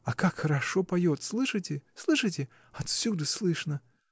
А как хорошо поет — слышите, слышите? отсюда слышно!